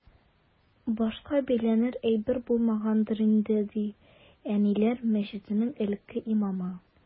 Башка бәйләнер әйбер булмагангадыр инде, ди “Әниләр” мәчетенең элекке имамы.